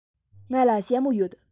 ང ལ ཞྭ མོ ཡོད